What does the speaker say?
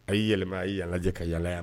A y' yɛlɛma a ye yaa ka yaa